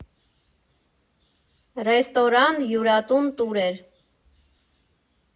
Ռեստորան, հյուրատուն, տուրեր։